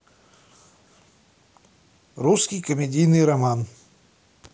русский комедийный роман